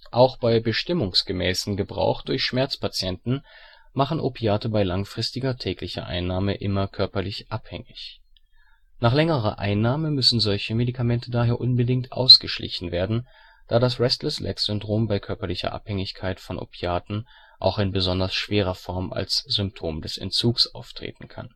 Auch bei bestimmungsgemäßen Gebrauch durch Schmerzpatienten machen Opiate bei langfristiger, täglicher Einnahme immer körperlich abhängig. Nach längerer Einnahme müssen solche Medikamente daher unbedingt ausgeschlichen werden, da das Restless-Legs-Syndrom bei körperlicher Abhängigkeit von Opiaten auch in besonders schwerer Form als Symptom des Entzugs auftreten kann